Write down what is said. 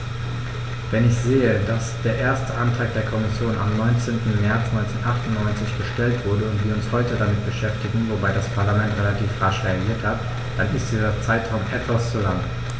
Wenn ich sehe, dass der erste Antrag der Kommission am 19. März 1998 gestellt wurde und wir uns heute damit beschäftigen - wobei das Parlament relativ rasch reagiert hat -, dann ist dieser Zeitraum etwas zu lang.